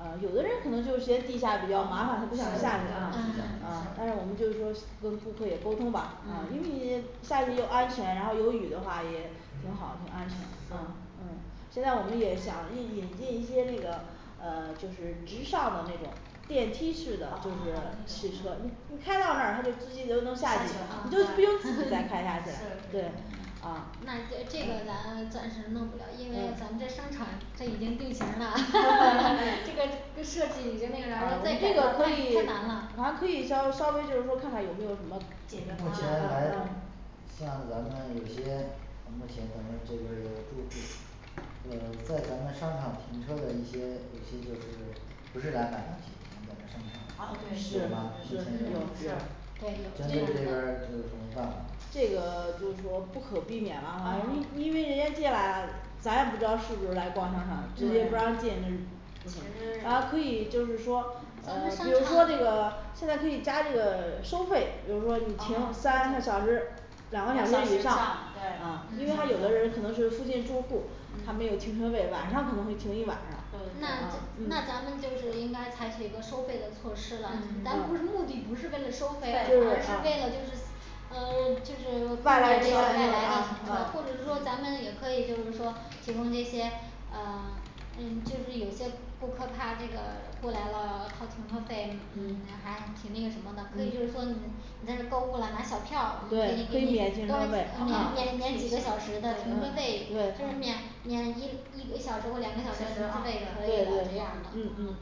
嗯有的人可能就嫌地下比较麻烦，他不想下去了，嗯嗯但是是我们就是说跟顾客也沟通吧，啊因为嗯你下去又安全然后有雨的话也挺好挺安全是吧嗯现在我们也想引引进一些那个嗯 就是直上的那种电梯式的就是汽车，你你开到那儿他就直下去接就能下去，你了就不用自己再开下去了是 对那这这个咱 暂时弄不了，因为咱们这商场它已经定型儿了， 这个跟设计的那个，然后啊 再这改个的话可还以太难了反正可以稍稍微就是说看看有没有什么，解决方目案前来像咱们有些咱目前咱们这边儿有住户嗯在咱们商场停车的一些我记得是不是来买东西咱们商哦场对是是吧这有是对有边儿有什么办法吗这个就是说不可避免了哈，因因为人家进来啦咱也不知道是不是来逛商场的，直接不让对进其啊可实以就是说咱嗯们商比场如说这个现在可以加这个收费，比如说哦你停三个小时两两个个小小时时以以上上，因为他对有的人可能是附近住户儿，他没有嗯停车位，晚上可能会停对对这一晚上，嗯那咱样 那咱们就是应该采取一个收费的措施了，咱不是目的不是为了收费而是为了就是嗯 就是 外来或者是说咱们也可以就是说提供这些嗯 嗯就是有些顾客怕那个过来了掏停车费嗯还挺那什么的可以就是说你你在那购物了，拿小票儿可对以给给你你免免停车费嗯免免几个小时的停车费，就是免免一一个小时或两个小时停车费可以的嗯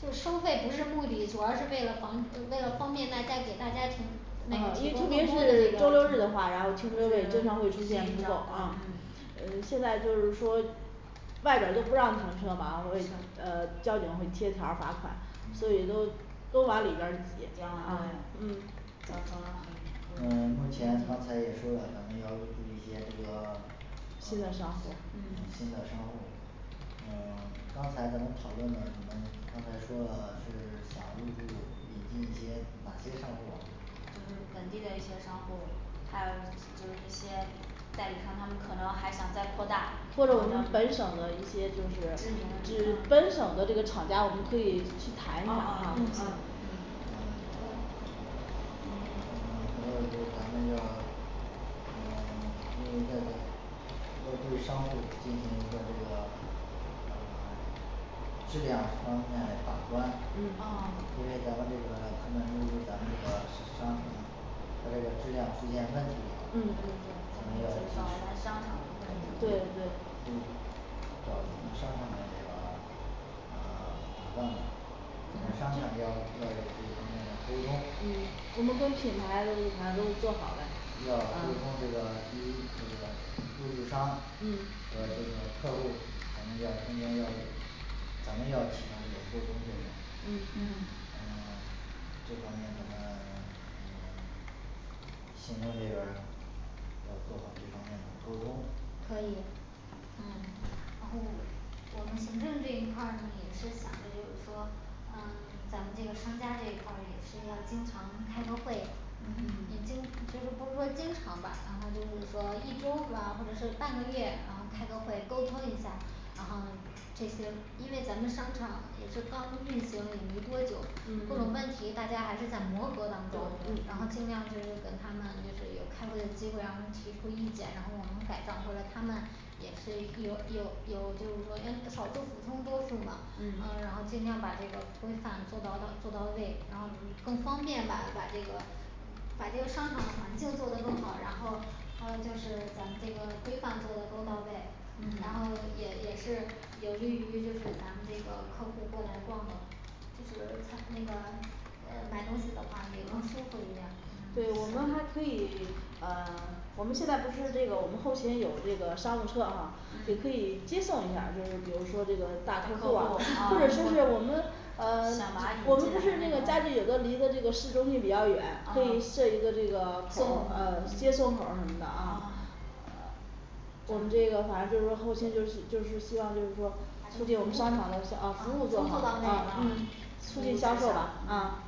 就收费不是目的，主要是为了防为了方便大家给大家停，那个因为特别是周六日的话，然后停车位经常会出现不紧够张嗯嗯嗯现在就是说外边儿就不让停车嘛呃交警会贴条儿罚款所以都都往里边儿去挤对嗯哎嗯目前刚才也说了，可能要入驻一些这个新的商户嗯新的商户嗯 刚才咱们讨论了，你们刚才说了是想入驻引进一些哪些商户就是本地的一些商户还有就是那些代理商，他们可能还想再扩大知或名的者哦我哦们哦本省的一些就是知本省的这个厂家我们可以去谈一下嗯嗯嗯要对商户儿进行一个这个质量方面嘞把关，因为噢嗯咱们这个成本因为咱们这个商城它这个质量出现问嗯题。他们就是找咱们商场的对问题对嗯商场的这个嗯 活动商场要要有这个嗯方我面们跟品的牌都沟通都做，好了要，嗯沟通这个这个入驻商和这个客户咱们要咱们要起到这个沟通作用嗯嗯嗯 这方面嗯 行政这边儿要做好这方面儿的沟通，可以。嗯哦我们行政这一块儿呢也是想着就是说嗯 咱们这个商家这一块儿也是要经常开个会已经就是不是说经常吧，然后就是说一周是吧或者是半个月嗯开个会沟通一下，然后这些因为咱们商场也是刚运行也没多久嗯各种问嗯题大家还是想磨合当中对然后尽量是，跟他们有开会的机会让他们提出意见然后我们改正或者他们也可以有有有就是说要少数服从多数嘛，嗯然后嗯尽量把这个规范做到到做到位，然后更方便把把这个把这个商场的环境做得更好，然后还有就是咱们这个规范做的更到位嗯他那个嗯买东西的话也更舒服一点儿对，我们还可以 呃 我们现在不是这个我们后勤有这个商务车啊也可以嗯接送一下儿，就是比如说这个大大客客户户啊啊或者说是我们 嗯想把他 我引们不是那进个家具有的离的这个市中心比较远，可以设一个这个呃送接送口儿什么的嗯我们这个反正就是说后勤就是就是希望就是说促进我们商场的啊服服务务做到位嗯促进销售啊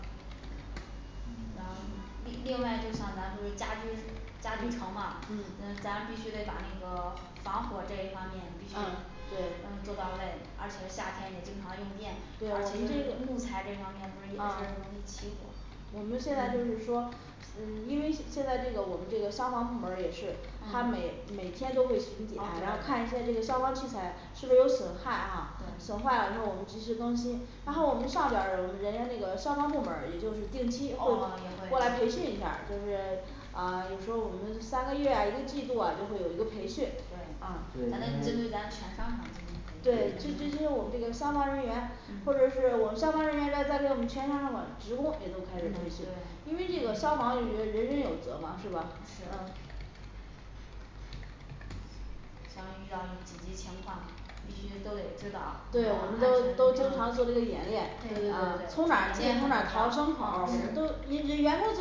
然后嗯行另另外就像咱不是家居家居城吗，嗯嗯咱必须得把那个防火这一方面必须嗯嗯对做到位，而且夏天也经常用电，对而且我们木这材这个方面不是也是容易起火我们现在就是说嗯 因为现在这个我们这个消防部门儿也是他每嗯每天都会巡检，然后看一下这个消防器材是不是有损害哈，损坏了对之后我们及时更新然后我们上边儿有人家那个消防部门儿也就是定期会哦过也来培训会一下儿就是对对因咱们针对为咱全商场进行培训嗯嗯对是像遇到一紧急情况必须都得知道，呃安全对对对噢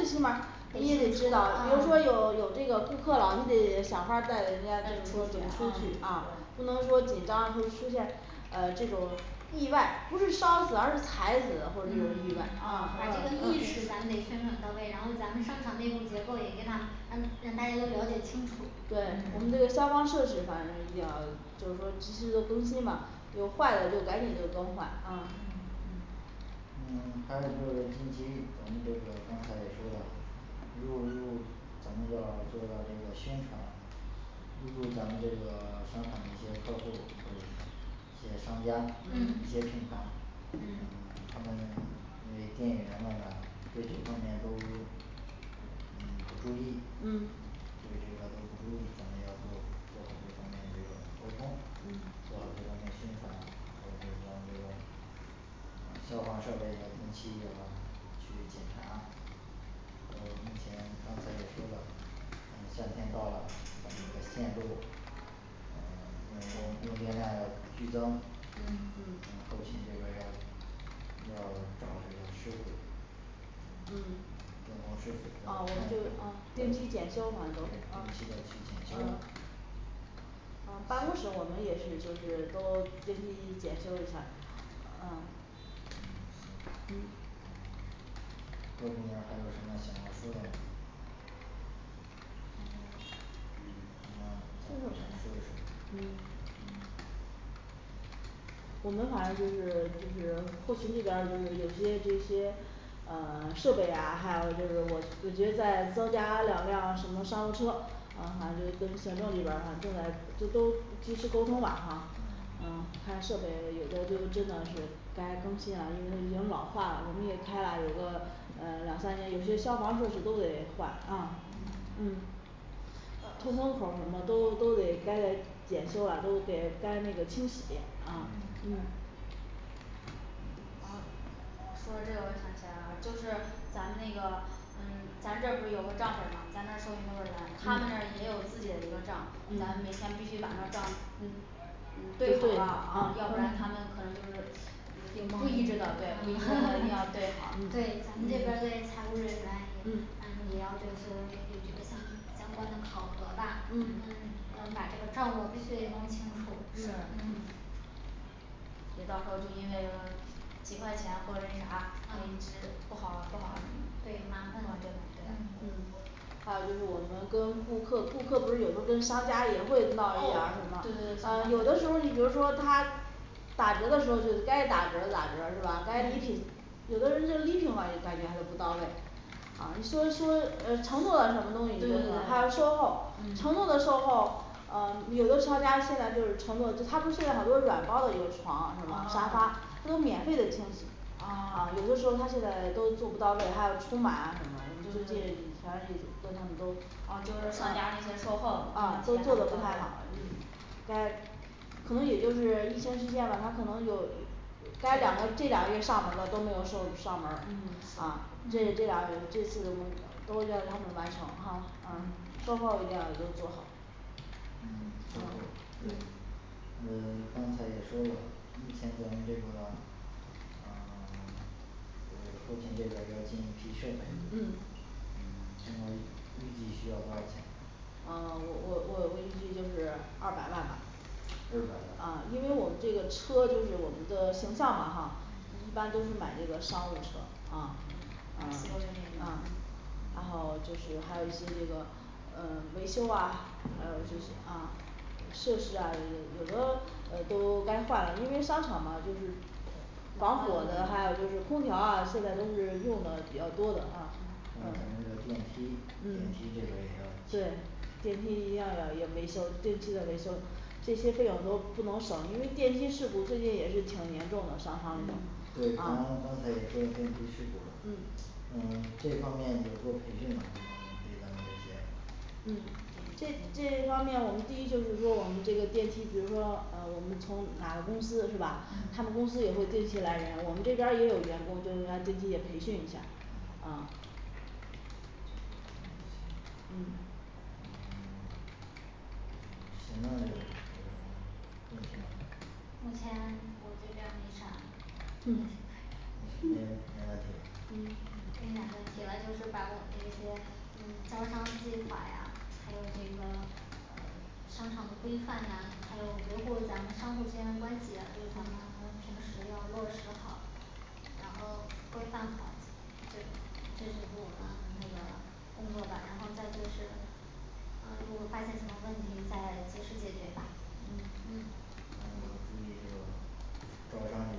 是必须得知道，比如说有有这个顾客了，你得想法儿带人家带出出去去嗯不能对说紧张就出现嗯这种意外不是烧死而是踩死嗯或者这种意外啊把这个意识咱们得宣传到位，然后咱们商场内部结构也给他让让大家都了解清楚对我们这个消防设施反正一定要就是说及时的更新吧就坏了，就赶紧就更换。嗯嗯嗯嗯 还有就是近期咱们这个刚才也说了咱们的这个这个这个宣传入驻咱们这个 商场的一些客户这些商家一嗯些品牌嗯嗯不注意嗯对这个要做做好这方面的一个沟通，做好这方面的宣传这个消防设备要定期要去检查呃我目前刚才也说了嗯夏天到啦咱们这线路嗯只能是嗯哦我们对定定期的期去检检修修反正都是嗯嗯办公室我们也是就是都近期检修一下嗯嗯行嗯各部门儿还有什么想要说的吗嗯什么想要我们反正就是就是后勤这边儿就是有些这些嗯 设备啊还有就是我我觉得再增加两辆什么商务车嗯反正就是跟行政这边儿正在就都及时沟通吧哈嗯看设备有的就真的是该更新啦一直已经老化了我们也开了有个嗯两三年有些消防设施都得换啊嗯嗯通风口儿什么都都得该检修了都得该那个清洗啊嗯嗯说这个我就想起来了就是咱们那个嗯 咱这儿不是有个账本吗？咱这儿收银都是人，他们那儿嗯也有自己的一个账，咱们每嗯天必须把那账嗯嗯对好了嗯要不对然他们可能就是嗯有不一致的，对 对咱不一致的要对们这边儿好对财务人员也嗯也要就是 有这个相相关的考核吧，我嗯们把账目必须得弄清楚是别到时候就因为个几块钱或者啥嗯不好不好，这种对对麻烦嗯还有就是我们跟顾客顾客不是有时候跟商家也哦对对对会闹一点儿什么嗯有的时候你比如说他打折的时候就是该打折儿的打折儿是吧该礼品有的人就礼品话，也感觉还是不到位嗯你说说嗯承诺了什么东西对对对，还有售后承诺的售后嗯有的商家现在就是承诺，就他不是现在很多软包的一个床是吧沙发哦 都免费的清啊 有的时候他现在都做不到位，还有除螨啊什么的，我就反正跟他们都啊啊就是商家那些售后都做的不太好嗯该可能也就是疫情期间吧，他可能有该两个这俩月上门儿的都没有售上门儿，啊这这两这次都叫他们完成哈嗯，售后一定要就是做好嗯售后对嗯 刚才也说了，目前咱们这个嗯 嗯后勤这边儿要进一批设备，嗯嗯这个预计需要多少钱嗯我我我预计就是二百万吧二百嗯万因为我们这个车就是我们的形象嘛哈，一般都是买这个商务车嗯嗯 S U V那种嗯然后就是还有一些这个呃维修啊，还有就是嗯设施啊有有的呃都该换了，因为商场嘛就是防火的还有就是空调啊，现在都是用的比较多的嗯嗯还有咱这个电梯电梯这边儿也嗯对要电梯一样要也维修，定期的维修这些费用都不能省，因为电梯事故最近也是挺严重的商场里嗯对，有。刚啊才也说了电梯事故了嗯嗯 这方面有过培训吗咱们对咱们这边嗯这这方面我们第一就是说我们这个电梯，比如说嗯我们从哪个公司是吧，他们公司也会定期来人我们这边儿也有员工就是让他定期也培训一下儿啊嗯行嗯嗯 行政这边儿目目前前我这边儿没啥了嗯没问题嗯了没啥问就题了就是把我们这些嗯招商计划呀还有那个嗯商场的规范呀，还有维护咱们商户之间的关系呀，就是咱们平时要落实好然后规范好。对，这是我们那个工作吧，然后再就是如果发现什么问题再及时解决吧嗯嗯还有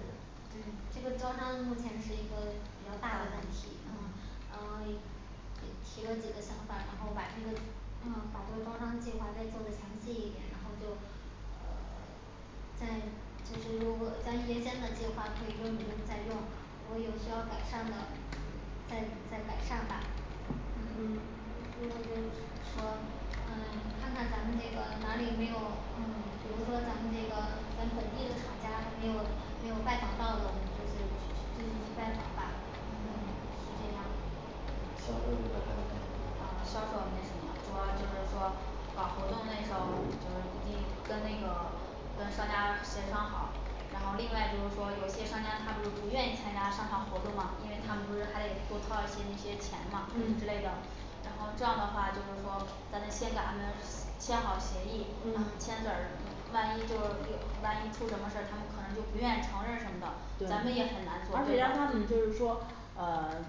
注意对这这个个招商这个招商目前是一个 比较大的问题嗯然后也提了几个想法，然后把这个嗯把这个招商计划再做的详细一点，然后就再一就是说咱原先的计划可以用你就不再用了，我有需要改善的再再改善吧。嗯如果就是说嗯看看咱们这个哪里没有，嗯比如说咱们这个跟本地的厂家没有没有拜访到的，我们就去就是先把嗯是这样嗯的销售这边儿还有问题啊吗销售没什么了，主要就是说搞活动那时候就是你跟那个跟商家协商好，然后另外就是说有些商家他不是不愿意参加商场活动嘛，因为他们不是还得多掏一些那些钱嘛之类的嗯然后这样的话就是说咱们先给他们签好协议，然后嗯签字儿，万一就是有万一出什么事儿，他们可能就不愿意承认什么的，对咱们也很难做而对且他们就是说吧嗯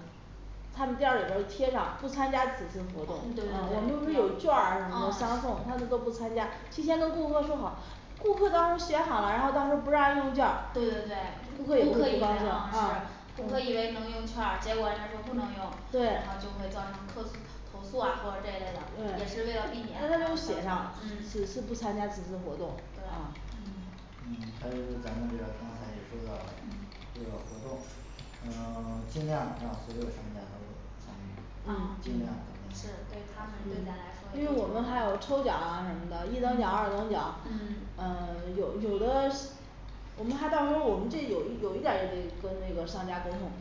他们店儿里头贴上不参加此次活动，对我们不是对有劵对儿什么的销嗯售他们都不参加提前跟顾客说好顾客到时候选好了，然后到时对对对顾候不让用劵儿，顾客也不客高兴啊嗯是顾客以为能用券儿，结果人家说不能用，然后就对会造成客投诉啊或者这一对嗯类也是为了避免，让嗯他对们都写上此次不参加此次活动啊嗯还有就是咱们这个刚才也说到了嗯这个活动嗯是对他们对咱来说因也挺为我们还有好抽奖啊什么嗯的，一等奖二等奖，嗯嗯有有的我们还到时候我们这有有一点儿跟那个商家沟通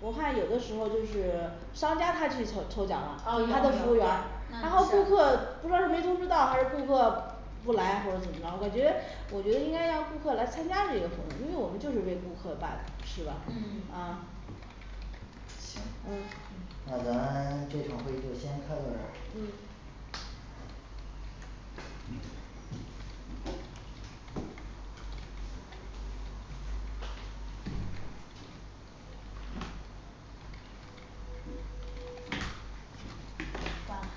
我看有的时候就是 商家他去抽 抽奖了，他嗯的服务员有儿有然后顾嗯客是不知道是没通知到，还是顾客不来或者怎么着，我觉得我觉得应该让顾客来参加这个活动，因为我们就是为顾客办的是吧嗯啊行，那呃咱 这场会议就先开到这儿。嗯关了